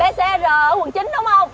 bê xê giờ ở quận chín đúng hông